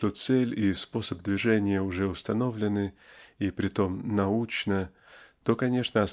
что цель и способ движения уже установлены и притом "научно" то конечно